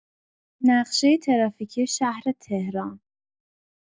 نقشه ترافیکی شهر تهران